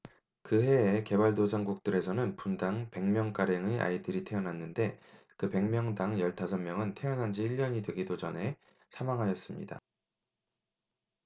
그 해에 개발도상국들에서는 분당 백 명가량의 아이들이 태어났는데 그 백 명당 열 다섯 명은 태어난 지 일 년이 되기도 전에 사망하였습니다